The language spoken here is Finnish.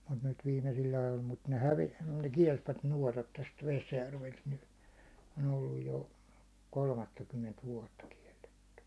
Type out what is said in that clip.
mutta nyt viimeisillä ajoilla mutta ne - ne kielsivät nuotat tästä Vesijärveltä nyt ne on ollut jo kolmattakymmentä vuotta kielletty